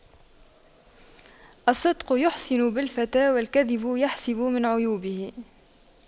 الصدق يحسن بالفتى والكذب يحسب من عيوبه